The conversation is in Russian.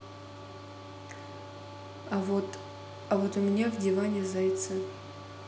а вот а вот у меня в диване зайца